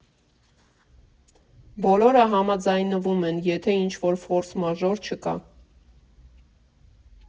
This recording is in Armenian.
Բոլորը համաձայնվում են, եթե ինչ֊որ ֆորս մաժոր չկա։